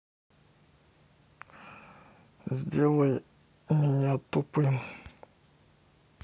сделай меня тупым